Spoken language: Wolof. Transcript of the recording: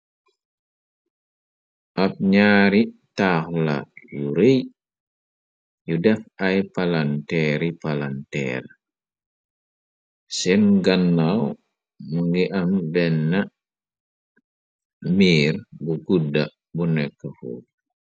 Ab ñaari taax la yu rey yu def ay palanteeri palanteer seen gannaaw mu ngi am benn miir bu gudda bu nekk fuuf.